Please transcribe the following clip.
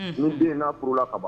Ni den n'a pla kababan